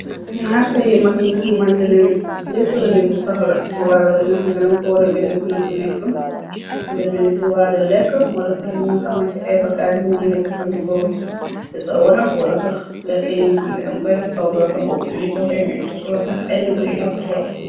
Maarsa yi mag yi nga xamantene lépplu nit di soxla ci wàllo li nga xamnedan ko wara jënd dina fa nekk. Mu deme ni ci waale lekk wala sax linga xamante ay bagaas yi nga mëna jëfandikoo di sax wonak. Wala sax lekk yi nga xamnedam koy dem toggal sa bopp yipp fay nek. Wula sax ay ndug yi nga soxla.